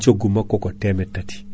coggu makko ko temettati